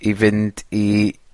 i fynd i